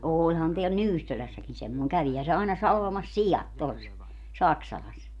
olihan täällä Nyyssölässäkin semmoinen kävihän se aina salvamassa siat tuossa Saksalassa